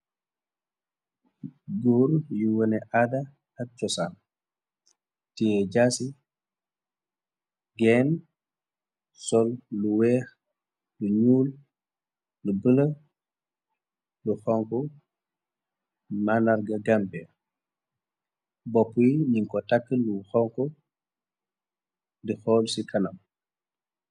Gór yu wone aada ak cosaam ,ti jaasi genn, sol lu weex, lu ñuul, lu bulo, lu xonk . Manarga gambie. Boppyi niko takk lu xonk di xool ci kanam.